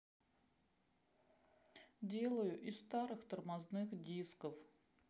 делаю из старых тормозных дисков